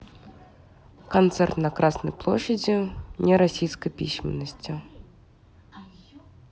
концерт на красной площади не российской письменности